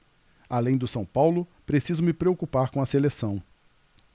além do são paulo preciso me preocupar com a seleção